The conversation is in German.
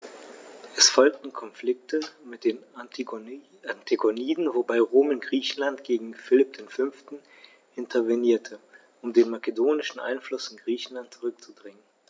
Es folgten Konflikte mit den Antigoniden, wobei Rom in Griechenland gegen Philipp V. intervenierte, um den makedonischen Einfluss in Griechenland zurückzudrängen.